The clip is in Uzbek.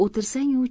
o'tirsang u